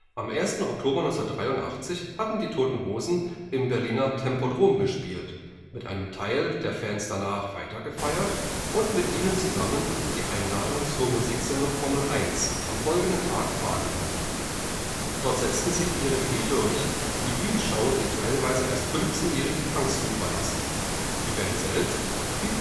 Am 1. Oktober 1983 hatten Die Toten Hosen im Berliner Tempodrom gespielt, mit einem Teil der Fans danach weitergefeiert und mit ihnen zusammen die Einladung zur Musiksendung Formel Eins am folgenden Tag wahrgenommen. Dort setzten sie ihre Idee durch, die Bühnenshow den teilweise erst 15-jährigen Punks zu überlassen. Die Band selbst blieb